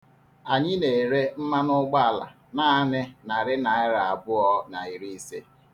Anyị na-ere mmanụụgbaala naanị narị naịra abụọ na iri asaa.